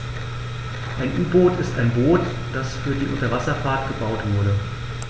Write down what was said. Ein U-Boot ist ein Boot, das für die Unterwasserfahrt gebaut wurde.